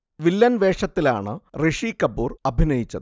villain വേഷത്തിലാണ് ഋഷി കപൂർ അഭിനയിച്ചത്